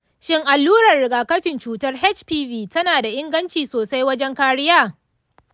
shin allurar riga-kafin cutar hpv tana da inganci sosai wajen kariya?